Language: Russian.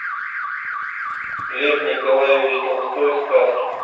лев николаевич толстой сказки